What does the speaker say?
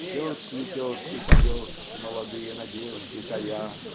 Все цветет и поет, молодые надежды тая.